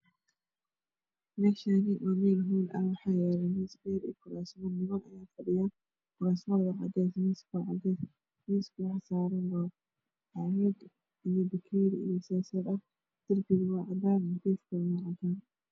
Halkaan waa meel howl ah waxaa yaalo miis beeri ah iyo kuraas madowah. kuraasman ka waa cadays miisku waa cadays miiska waxaa saaran caagad iyo bakeeri darbiga waa cadaan mukayfkuna waa cadaan.